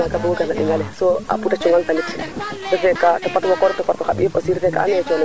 nda o xota nga siwo le yulna ona nga yipa dang ke yaqe dara to xana xuɓ kaga taxu i mbiyan